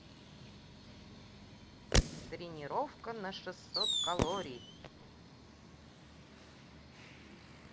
тренировка на шестьсот калорий